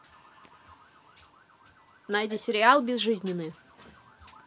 найди сериал безжизненные